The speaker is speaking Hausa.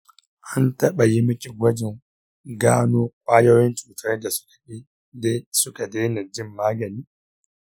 an taba yi miki gwajin gano kwayoyin cutar da suka daina jin magani?